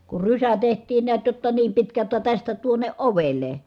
kun rysä tehtiin näet jotta niin pitkä jotta tästä tuonne ovelle